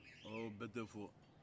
ɔ o bɛɛ tɛ fɔ